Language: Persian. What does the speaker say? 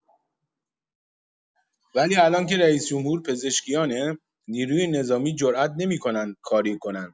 ولی الان که رئیس‌جمهور پزشکیانه، نیروهای نظامی جرئت نمی‌کنن کاری کنن!